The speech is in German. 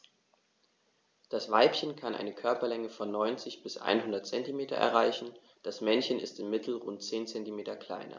Das Weibchen kann eine Körperlänge von 90-100 cm erreichen; das Männchen ist im Mittel rund 10 cm kleiner.